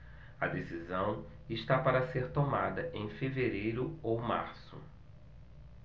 a decisão está para ser tomada em fevereiro ou março